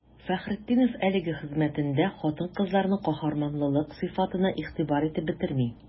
Фәхретдинов әлеге хезмәтендә хатын-кызларның каһарманлылык сыйфатына игътибар итеп бетерми.